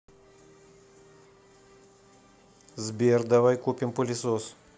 сбер давай купим пылесос